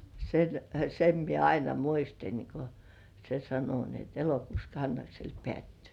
sen sen minä aina muistin kun se sanoi niin että elokuussa Kannaksella päättyy